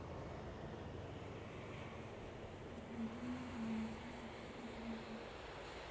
документальная военная тайна с прокопенко